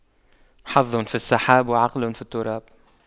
حظ في السحاب وعقل في التراب